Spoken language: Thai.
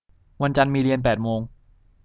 วันจันทร์มีเรียนแปดโมง